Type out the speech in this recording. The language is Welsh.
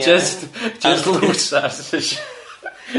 Jyst jyst lwtsas.